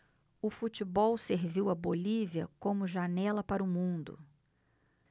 o futebol serviu à bolívia como janela para o mundo